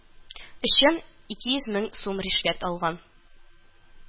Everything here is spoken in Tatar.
Өчен ике йөз мең сум ришвәт алган